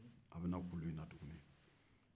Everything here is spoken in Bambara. a bɛ na kulu in na tuguni